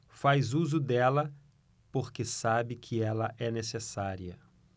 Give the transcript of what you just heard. faz uso dela porque sabe que ela é necessária